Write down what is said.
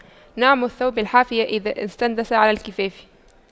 نعم الثوب العافية إذا انسدل على الكفاف